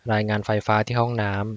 รายงานไฟฟ้าที่ห้องน้ำ